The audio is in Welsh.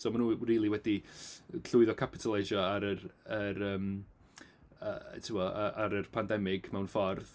So maen nhw rili wedi llwyddo capitalaisio ar yr yr yym yy timod a- ar yr pandemig mewn ffordd.